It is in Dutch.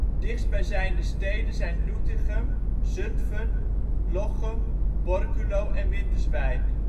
Dichtstbijzijnde steden: Doetinchem, Zutphen, Lochem, Borculo en Winterswijk